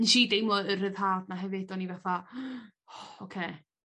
nes i deimlo y rhyddhad 'na hefyd oni fatha ho ocê.